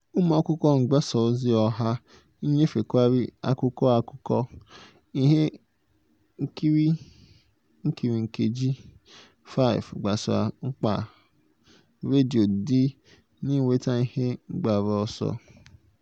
Ụmụ akwụkwọ mgbasa ozi ọha nyefekwara akwụkwọ akụkọ ihe nkiri nkeji 5 gbasara mkpa redio dị n'inweta ihe mgbaru ọsọ mmepe na-adịgide adịgide. Mmadụ abụọ meriri site na ntinye akwụkwọ abụọ ahụ.